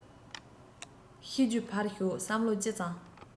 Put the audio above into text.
ཤེས རྒྱུ ཕར ཞོག བསམ བློ ཅི ཙམ